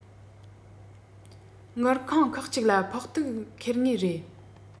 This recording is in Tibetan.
དངུལ ཁང ཁག གཅིག ལ ཕོག ཐུག ཁེལ ངེས རེད